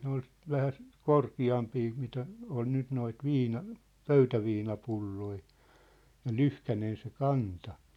ne oli vähän korkeampia mitä on nyt noita - pöytäviinapulloja ja lyhkäinen se kanta